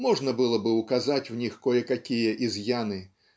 Можно было бы указать в них кое-какие изъяны